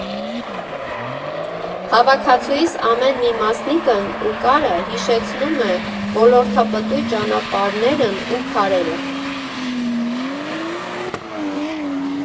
Հավաքածուիս ամեն մի մասնիկն ու կարը հիշեցնում է ոլորապտույտ ճանապարհներն ու քարերը։